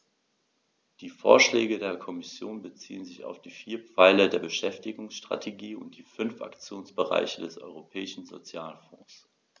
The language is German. Die Vorschläge der Kommission beziehen sich auf die vier Pfeiler der Beschäftigungsstrategie und die fünf Aktionsbereiche des Europäischen Sozialfonds.